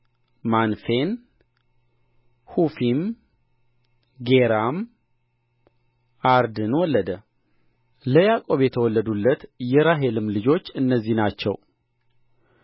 ወንዶችም ሴቶችም ልጆችዋ ሁሉ ሠላሳ ሦስት ነፍስ ናቸው የጋድም ልጆች ጽፎን ሐጊ